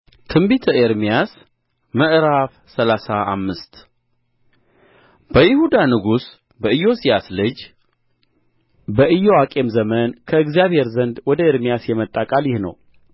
ትንቢተ ኤርምያስ ምዕራፍ ሰላሳ አምሰት በይሁዳ ንጉስ በኢዮስያስ ልጅ በኢዮአቄም ዘመን ከእግዚአብሔር ዘንድ ወደ ኤርምያስ የመጣ ቃል ይህ ነው